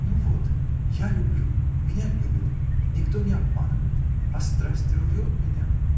— Ну вот, я люблю, меня любят: никто не обманывает. А страсть рвет меня.